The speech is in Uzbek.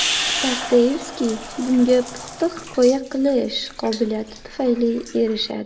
dostoyevskiy bunga puxta hikoya qilish qobiliyati tufayli erishadi